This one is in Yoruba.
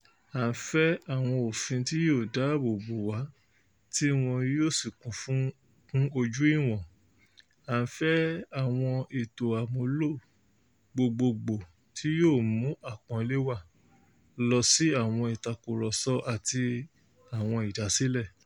À ń fẹ́ àwọn òfin tí yóò dáàbò bò wá tí wọn yóò sì kún ojú ìwọ̀n, a fẹ́ àwọn ètò àmúlò gbogboògbò tí yóò mú àpọ́nlé wa lọ sí àwọn ìtàkùrọ̀sọ àti àwọn ìdásílẹ̀.